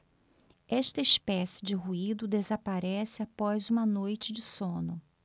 esta espécie de ruído desaparece após uma noite de sono